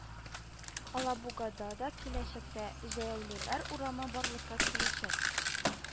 Алабугада да киләчәктә җәяүлеләр урамы барлыкка киләчәк